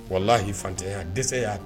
Wala y'i fantanya dɛsɛse y'a